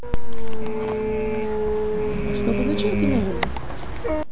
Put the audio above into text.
что обозначает имя ольга